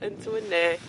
yn tywynnu